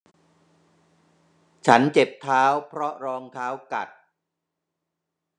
ฉันเจ็บเท้าเพราะรองเท้ากัด